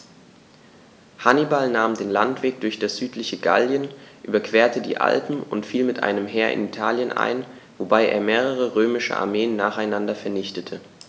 Hannibal nahm den Landweg durch das südliche Gallien, überquerte die Alpen und fiel mit einem Heer in Italien ein, wobei er mehrere römische Armeen nacheinander vernichtete.